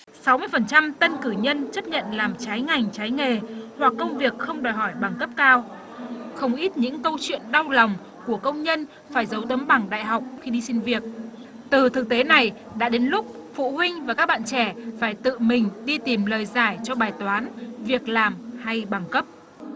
sáu mươi phần trăm tân cử nhân chấp nhận làm trái ngành trái nghề hoặc công việc không đòi hỏi bằng cấp cao không ít những câu chuyện đau lòng của công nhân phải giấu tấm bằng đại học khi đi xin việc từ thực tế này đã đến lúc phụ huynh và các bạn trẻ phải tự mình đi tìm lời giải cho bài toán việc làm hay bằng cấp